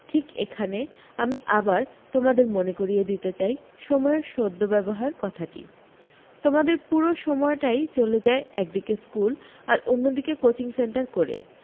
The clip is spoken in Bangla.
ঠিক এখানে আমি আবার তোমাদের মনে করিয়ে দিতে চাই সময়ের সদ্ব্যবহার কথাটি তোমাদের পুরো সময়টাই চলে যায় এক দিকে স্কুল আর অন্য দিকে কোচিং সেন্টার করে